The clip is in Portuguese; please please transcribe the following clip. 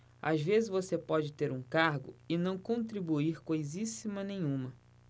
às vezes você pode ter um cargo e não contribuir coisíssima nenhuma